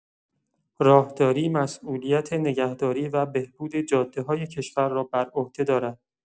راهداری مسئولیت نگهداری و بهبود جاده‌های کشور را بر عهده دارد.